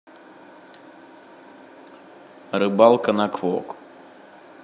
рыбалка на квок